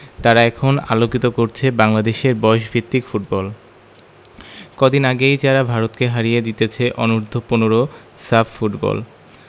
তারা এখন আলোকিত করছে বাংলাদেশের বয়সভিত্তিক ফুটবল কদিন আগেই যারা ভারতকে হারিয়ে জিতেছে অনূর্ধ্ব ১৫ সাফ ফুটবল